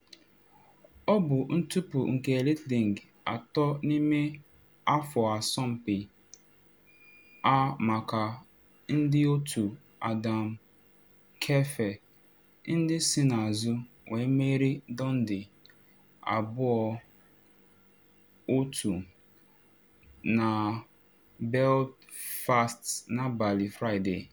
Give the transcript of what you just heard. Ọ bụ ntufu nke Elite League atọ n’ime afọ asọmpi a maka ndị otu Adam Keefe ndị si n’azụ wee merie Dundee 2-1 na Belfast n’abalị Fraịde.